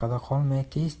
orqada qolmay tez